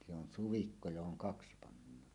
se on suvikko johon kaksi pannaan